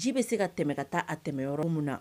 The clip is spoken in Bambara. Ji bɛ se ka tɛmɛ ka taa a tɛmɛ yɔrɔ min na